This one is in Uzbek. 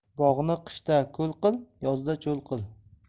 bog'ni qishda ko'l qil yozda cho'l qil